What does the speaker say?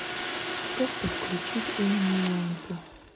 как подключить умную лампу